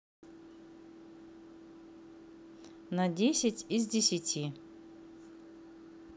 на десять из десяти